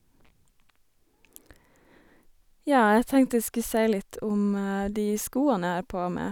Ja, jeg tenkte jeg skulle si litt om de skoene jeg har på meg.